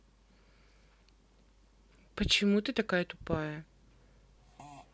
почему ты такая тупая